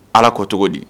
Ala ko cogo di